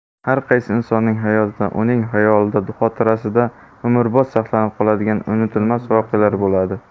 har qaysi insonning hayotida uning xayolida xotirasida umrbod saqlanib qoladigan unutilmas voqealar bo'ladi